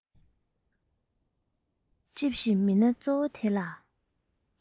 ལྕེབས ཤིང མི སྣ གཙོ བ དེ ལ